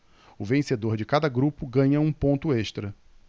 o vencedor de cada grupo ganha um ponto extra